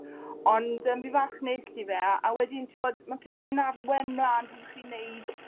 Ond yym fi falch nes i fe a a wedyn t'wod ma' pethe'n arwen mlan pan bo' chi'n neud